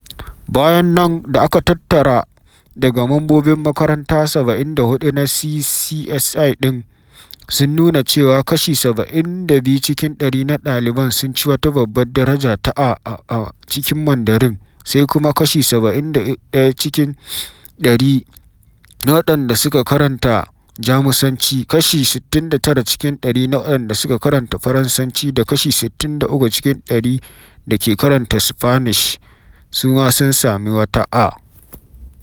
Bayanan, da aka tattara daga mambobin makaranta 74 na SCIS ɗin, sun nuna cewa kashi 72 cikin ɗari na ɗaliban sun ci wata Babbar daraja ta A a cikin Mandarin, sai kuma kashi 72 cikin ɗari na waɗanda suka karanta Jamusanci, kashi 69 cikin ɗari na waɗanda suka karanta Farasanci da kashi 63 cikin ɗari da ke karanta Spanish su ma sun sami wata A.